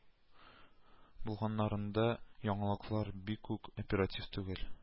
Булганнарында яңалыклар бик үк оператив түгел